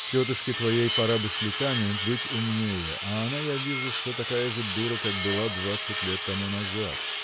– Тетушке твоей пора бы с летами быть умнее а она я вижу все такая же дура как была двадцать лет тому назад.